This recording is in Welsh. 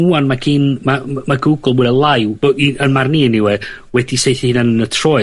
ŵan ma' gin ma' m- ma' *Google mwy ne' lai w- b- yn marn i eniwe wedi saethu hunan yn y troed